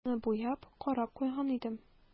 Арбаны буяп, карап куйган идем.